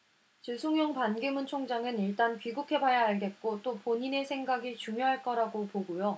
주승용 반기문 총장은 일단 귀국해 봐야 알겠고 또 본인의 생각이 중요할 거라고 보고요